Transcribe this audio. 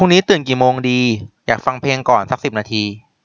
พรุ่งนี้ตื่นกี่โมงดีอยากฟังเพลงก่อนซักสิบนาที